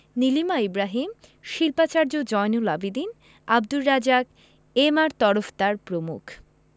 নীলিমা ইব্রাহীম শিল্পাচার্য জয়নুল আবেদীন আবদুর রাজ্জাক এম.আর তরফদার প্রমুখ